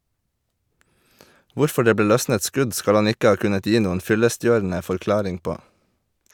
Hvorfor det ble løsnet skudd skal han ikke ha kunnet gi noen fyllestgjørende forklaring på.